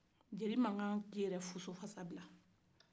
jeli man kan k'i yɛdɛ fosofasa bila